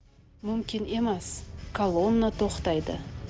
mumkin emas kolonna to'xtaydi